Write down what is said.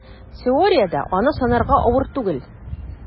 Теориядә аны санарга авыр түгел: